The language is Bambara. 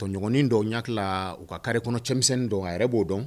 Tɔɲɔgɔnin dɔ n hakili la u ka kari kɔnɔ cɛmisɛn don a yɛrɛ b'o dɔn